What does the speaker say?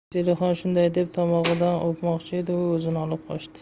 zelixon shunday deb tomog'idan o'pmoqchi edi u o'zini olib qochdi